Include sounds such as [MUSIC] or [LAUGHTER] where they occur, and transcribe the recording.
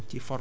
[HESITATION] [HESITATION]